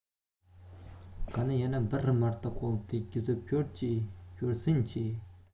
qani yana bir marta qo'l tegizib ko'rsin chi